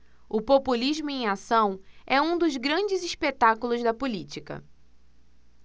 o populismo em ação é um dos grandes espetáculos da política